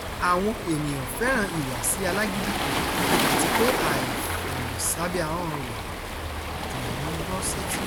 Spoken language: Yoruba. Àwọn ènìyàn fẹ́ràn-an ìhùwàsí alágídíi rẹ̀ àti pé àìfọ̀rọ̀ sábẹ́ ahọ́n-ọn rẹ̀ dùn ún gbọ́ sétí.